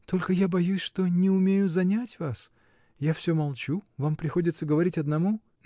— Только, я боюсь, что не умею занять вас: я всё молчу, вам приходится говорить одному.